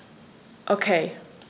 Okay.